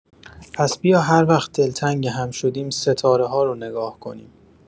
پس بیا هر وقت دلتنگ هم شدیم ستاره‌ها رو نگاه کنیم.